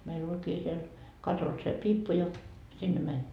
meillä olikin siellä katossa se piippu ja sinne meni